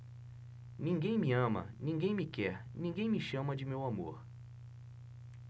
ninguém me ama ninguém me quer ninguém me chama de meu amor